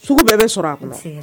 Sugu bɛɛ bɛ sɔrɔ a kɔnɔ